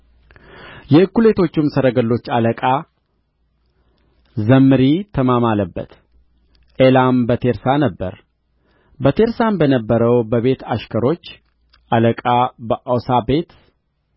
የእኩሌቶቹም ሰረገሎች አለቃ ዘምሪ ተማማለበት ኤላም በቴርሳ ነበረ በቴርሳም በነበረው በቤት አሽከሮች አለቃ በኦሳ ቤት